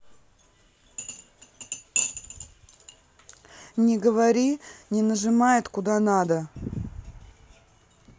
не говори не нажимает куда надо